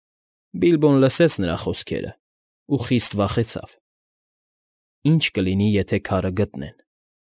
Բիլբոն լսեց նրա խոսքերն ու խիստ վախեցավ. ի՞նչ կլինի, եթե քարը գտնեն։